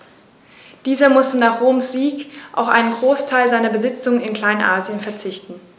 Dieser musste nach Roms Sieg auf einen Großteil seiner Besitzungen in Kleinasien verzichten.